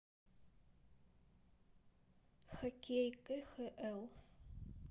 хоккей кхл